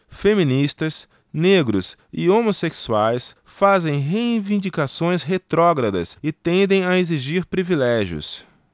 feministas negros e homossexuais fazem reivindicações retrógradas e tendem a exigir privilégios